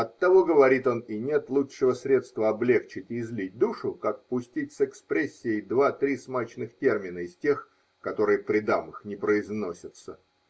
оттого, говорит он, и нет лучшего средства облегчить и излить душу, как пустить с экспрессией два-три смачных термина из тех, которые при дамах не произносятся.